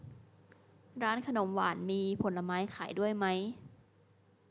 ร้านขนมหวานมีผลไม้ขายด้วยไหม